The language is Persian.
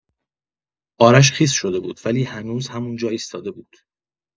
آرش خیس شده بود، ولی هنوز همون‌جا ایستاده بود.